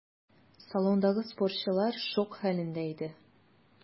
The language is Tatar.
Салондагы спортчылар шок хәлендә иде.